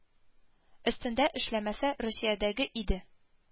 Өстендә эшләмәсә, русиядәге иде